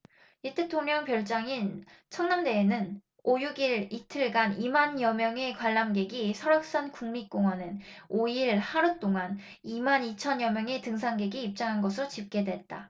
옛 대통령 별장인 청남대에는 오 육 일 이틀간 이 만여 명의 관람객이 설악산국립공원엔 오 일 하루 동안 일 만 이천 여 명의 등산객이 입장한 것으로 집계됐다